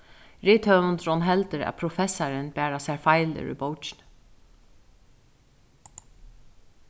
rithøvundurin heldur at professarin bara sær feilir í bókini